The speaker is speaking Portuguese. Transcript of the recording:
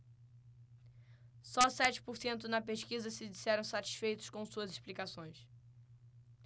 só sete por cento na pesquisa se disseram satisfeitos com suas explicações